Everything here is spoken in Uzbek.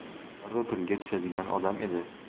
darrov tilga tushadigan odam edi